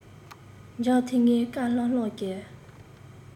འཇམ ཐིང ངེར དཀར ལྷང ལྷང གི